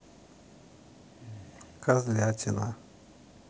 козлятина